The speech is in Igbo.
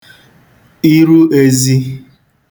iru ēzī